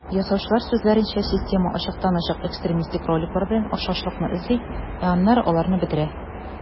Ясаучылар сүзләренчә, система ачыктан-ачык экстремистик роликлар белән охшашлыкны эзли, ә аннары аларны бетерә.